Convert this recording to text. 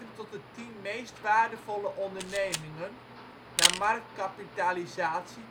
tien meest waardevolle ondernemingen (naar marktkapitalisatie